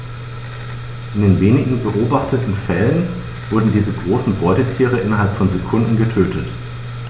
In den wenigen beobachteten Fällen wurden diese großen Beutetiere innerhalb von Sekunden getötet.